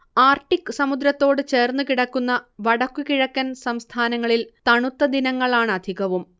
Arctic സമുദ്രത്തോട് ചേർന്നുകിടക്കുന്ന വടക്കു കിഴക്കൻ സംസ്ഥാനങ്ങളിൽ തണുത്ത ദിനങ്ങളാണധികവും